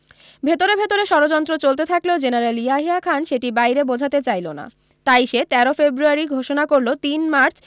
ভেতরে ভেতরে ষড়যন্ত্র চলতে থাকলেও জেনারেল ইয়াহিয়া খান সেটি বাইরে বোঝাতে চাইল না তাই সে ১৩ ফেব্র য়ারি ঘোষণা করল ৩ মার্চ